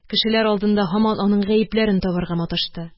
Кешеләр алдында һаман аның гаепләрен табарга маташты.